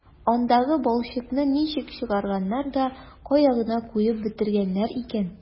Андагы балчыкны ничек чыгарганнар да кая гына куеп бетергәннәр икән...